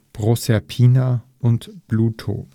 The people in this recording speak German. Proserpina und Pluto